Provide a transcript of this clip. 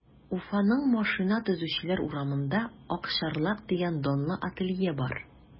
Уфаның Машина төзүчеләр урамында “Акчарлак” дигән данлы ателье бар.